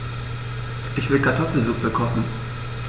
Ich will Kartoffelsuppe kochen.